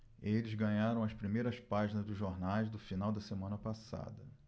eles ganharam as primeiras páginas dos jornais do final da semana passada